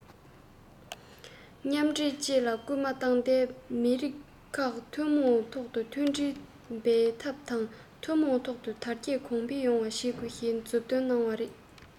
སྤེལ རེས